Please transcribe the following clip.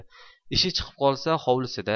ishi chiqib qolsa hovlisida